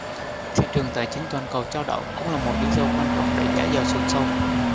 thị trường tài chính toàn cầu chao đảo cũng là một lý do quan trọng đẩy giá dầu sụt sâu